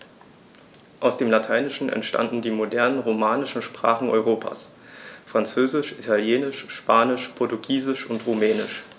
Aus dem Lateinischen entstanden die modernen „romanischen“ Sprachen Europas: Französisch, Italienisch, Spanisch, Portugiesisch und Rumänisch.